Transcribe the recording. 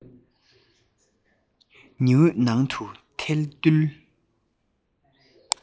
ཉི འོད ནང དུ ཐལ རྡུལ